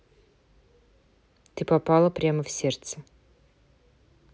ты попала прямо в сердце